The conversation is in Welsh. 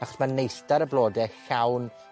achos ma' neithdar y blode llawn